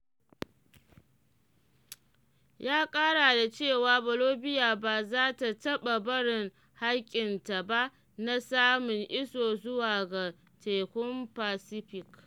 Ya kara da cewa "Bolivia ba za ta taɓa barin haƙƙin taɓa na samun iso zuwa ga Tekun Pacific.”